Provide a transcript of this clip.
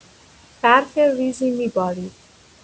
برف ریزی می‌بارید.